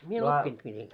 minä oppinut miten